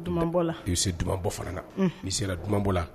Bɛ se duman bɔ fana ni serabɔ la